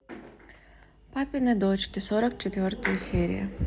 папины дочки сорок четвертая серия